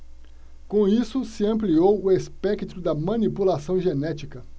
com isso se ampliou o espectro da manipulação genética